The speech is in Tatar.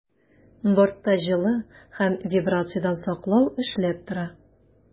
Бортта җылы һәм вибрациядән саклау эшләп тора.